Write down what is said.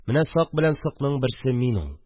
Менә Сак белән Сокның берсе мин ул